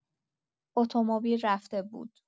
اتومبیل رفته بود.